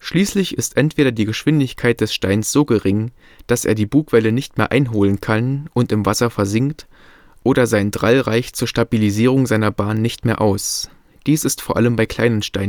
Schließlich ist entweder die Geschwindigkeit des Steins so gering, dass er die Bugwelle nicht mehr einholen kann und im Wasser versinkt, oder sein Drall reicht – dies ist vor allem bei kleinen Steinen der Fall - zur Stabilisierung seiner Bahn nicht mehr aus. Der